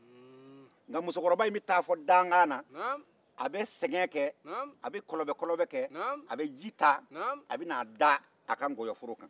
nka musokɔrɔba in bɛ taa fo dankan na ka sɛgɛn kɛ ka kɔlɔbɛkɔlɔbɛ kɛ ka ji ta ka n'a da a ka nkɔyɔforo la